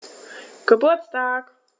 Geburtstag